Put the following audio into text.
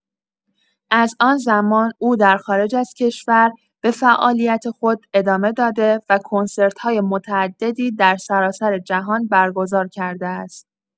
از آن‌زمان، او در خارج از کشور به فعالیت خود ادامه داده و کنسرت‌های متعددی در سراسر جهان برگزار کرده است.